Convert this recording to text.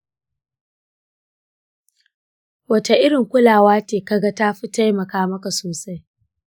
wace irin kulawa ce ka ga ta fi taimaka maka sosai?